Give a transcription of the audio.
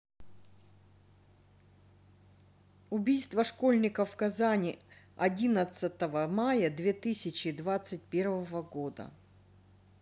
убийство школьников казани одиннадцатого мая две тысячи двадцать первого года